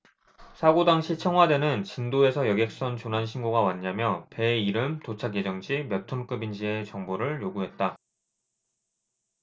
사고 당시 청와대는 진도에서 여객선 조난신고가 왔냐며 배의 이름 도착 예정지 몇 톤 급인지에 정보를 요구했다